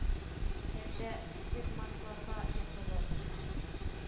Әлдә, зөлматларга йотылып,